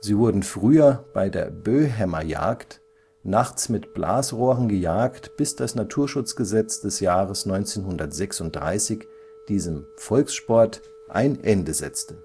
Sie wurden früher bei der „ Böhämmer-Jagd “nachts mit Blasrohren gejagt, bis das Naturschutzgesetz des Jahres 1936 diesem „ Volkssport “ein Ende setzte